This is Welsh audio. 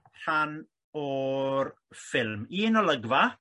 rhan o'r ffilm un olygfa